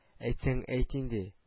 — әйтсәң әйт инде